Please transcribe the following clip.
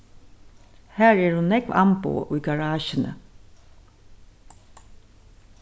har eru nógv amboð í garasjuni